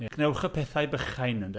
Ie gwnewch y pethau bychain ynde.